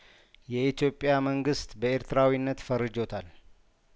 የኢትዮጵያ መንግስት በኤርትራዊነት ፈርጆታል